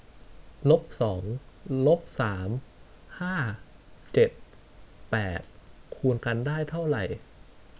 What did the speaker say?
ลบสองลบสามห้าเจ็ดแปดคูณกันได้เท่าไหร่